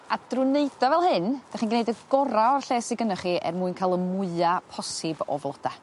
D drw neud o fel hyn 'dych chi'n neud y gora' o'r lle sy gynnoch chi er mwyn ca'l y mwya posib o floda.